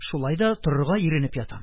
Шулай да торырга иренеп ятам.